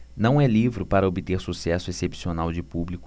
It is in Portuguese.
não é livro para obter sucesso excepcional de público